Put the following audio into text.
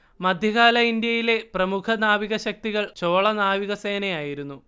മധ്യകാല ഇന്ത്യയിലെ പ്രമുഖ നാവികശക്തികൾ ചോള നാവികസേനയായിരുന്നു